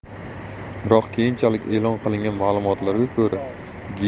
biroq keyinchalik e'lon qilingan ma'lumotlarga ko'ra